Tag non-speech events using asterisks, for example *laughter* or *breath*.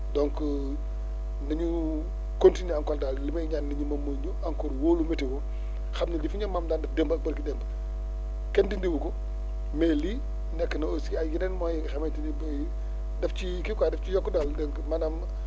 donc na ñu continuer encore daal li may ñaan nit ñi moom mooy ñu encore wóolu météo *breath* xam ne li fi ñoom maam daan def démb ak barki démb kenn dindi wu ko mais lii nekk na aussi ay yeneen moyens yi nga xamante ni bii daf ciy kii quoi daf ciy yokk daal dégg nga maanaam